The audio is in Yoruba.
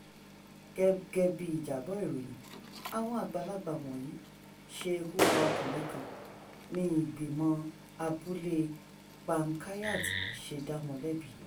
Gẹ̀gẹ̀ bí ìjábọ̀ ìròyìn, àwọn àgbàlagbà wọ̀nyí ṣe ikú pa ọkùnrin kan, ni ìgbìmọ̀ abúlée Panchayat ṣe dá wọn lẹ́bi.